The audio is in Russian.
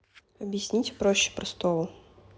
объясните проще простого